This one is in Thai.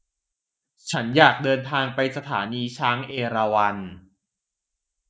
ฉันอยากเดินทางไปสถานีช้างเอราวัณ